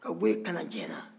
ka bɔ yen ka na jɛna